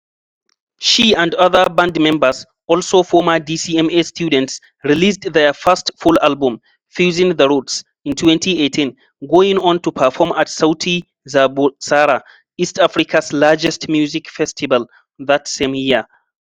She and other band members, also former DCMA students, released their first full album, "Fusing the Roots", in 2018, going on to perform at Sauti za Busara, East Africa's largest music festival, that same year.